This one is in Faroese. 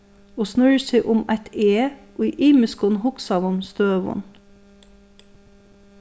og snýr seg um eitt eg í ymiskum hugsaðum støðum